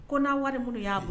Ko n na wari minnu y'a bolo